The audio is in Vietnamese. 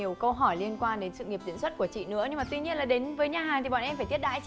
nhiều câu hỏi liên quan đến sự nghiệp diễn xuất của chị nữa nhưng mà tuy nhiên đến với nhà hàng thì bọn em phải thiết đãi